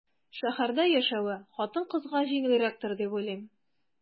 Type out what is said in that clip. Шәһәрдә яшәве хатын-кызга җиңелрәктер дип уйлыйм.